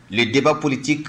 Tilebba politi